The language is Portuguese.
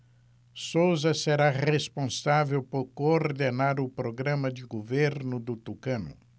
souza será responsável por coordenar o programa de governo do tucano